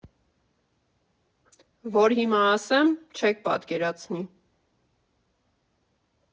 Որ հիմա ասեմ՝ չեք պատկերացնի։